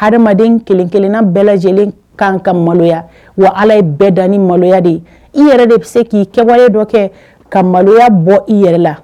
adamaden kelen kelenna bɛɛ lajɛlenlen kan ka maloya wa ala ye bɛɛ dan ni maloya de ye i yɛrɛ de bɛ se k'i kɛwale dɔ kɛ ka maloya bɔ i yɛrɛ la